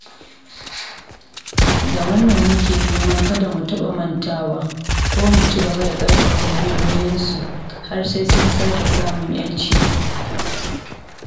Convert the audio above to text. Da wannan, muke neman kada mu taɓa mantawa, kuma mu ci gaba da ƙarfafa muryoyinsu har sai sun sake samun yanci.